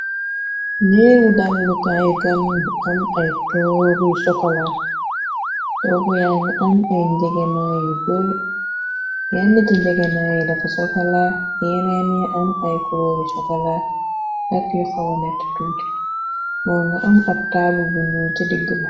Nek gu dallokay gan bu am ay tóógu yu sokola tóógu ya nga am ay ngegenai yu bëri yenna ci ngegenai yi dafa sokola yenen yi am ay kulor sokola ak yu xawa netteh tuuti moo nga am ab tabal bu ñuul cë diggi ba.